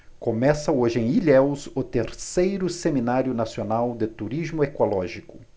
começa hoje em ilhéus o terceiro seminário nacional de turismo ecológico